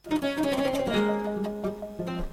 Sanunɛ yo yo